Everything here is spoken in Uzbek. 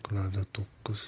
tangrim qiladi to'qqiz